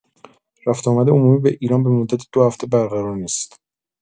رفت و آمد عمومی به ایران به مدت دو هفته برقرار نیست.